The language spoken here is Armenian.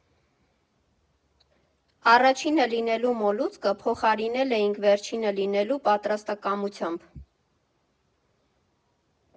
Առաջինը լինելու մոլուցքը փոխարինել էինք վերջինը լինելու պատրաստակամությամբ։